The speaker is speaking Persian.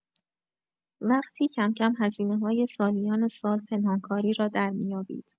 وقتی کم‌کم هزینه‌های سالیان سال پنهان‌کاری را درمی‌یابید.